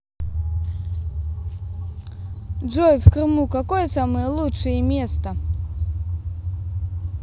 джой в крыму какое самое лучшее место